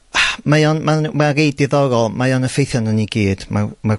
Mae o'n ma'n mae o reit diddorol. Mae o'n effeithio a'non ni gyd. Mae o mae'r